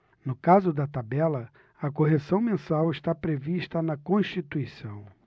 no caso da tabela a correção mensal está prevista na constituição